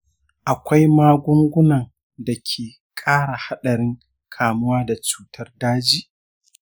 akwai magungunan da ke ƙara haɗarin kamuwa da cutar daji?